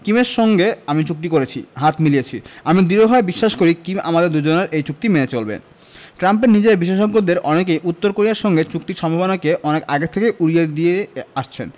কিমের সঙ্গে আমি চুক্তি করেছি হাত মিলিয়েছি আমি দৃঢ়ভাবে বিশ্বাস করি কিম আমাদের দুজনের এই চুক্তি মেনে চলবেন ট্রাম্পের নিজের বিশেষজ্ঞদের অনেকেই উত্তর কোরিয়ার সঙ্গে চুক্তির সম্ভাবনাকে অনেক আগে থেকেই উড়িয়ে দিয়ে আসছেন